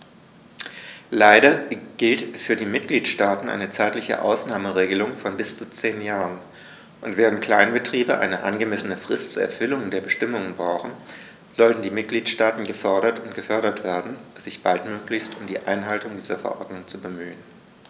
Leider gilt für die Mitgliedstaaten eine zeitliche Ausnahmeregelung von bis zu zehn Jahren, und, während Kleinbetriebe eine angemessene Frist zur Erfüllung der Bestimmungen brauchen, sollten die Mitgliedstaaten gefordert und gefördert werden, sich baldmöglichst um die Einhaltung dieser Verordnung zu bemühen.